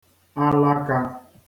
alakā